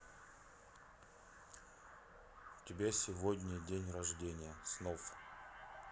у тебя сегодня день рождения снов